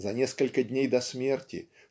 За несколько дней до смерти